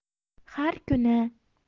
har kuni